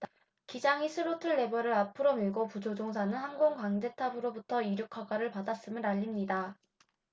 기장이 스로틀 레버를 앞으로 밀고 부조종사는 항공 관제탑으로부터 이륙 허가를 받았음을 알립니다